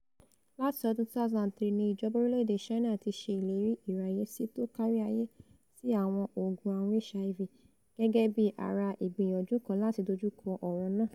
Láti ọdún 2003, ni ìjọba orílẹ̀-èdè Ṣáínà ti ṣè ìlérí ìráyèsí tókáríayé sí àwọn òògùn ààrun HIV gẹ́gẹ́bí ara ìgbìyànjú kan láti dójukọ ọ̀rọ̀ náà.